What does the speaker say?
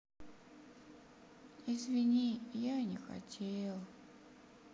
извини я не хотел